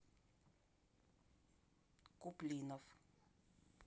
куплинов